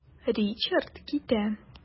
Ричард китә.